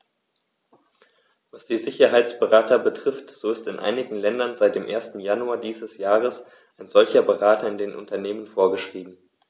Was die Sicherheitsberater betrifft, so ist in einigen Ländern seit dem 1. Januar dieses Jahres ein solcher Berater in den Unternehmen vorgeschrieben.